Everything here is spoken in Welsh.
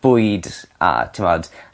bwyd a t'mod